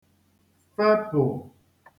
fepụ̀